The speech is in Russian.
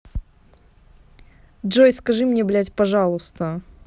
джой скажи мне блядь пожалуйста